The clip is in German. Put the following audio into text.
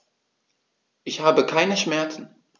Ich habe keine Schmerzen.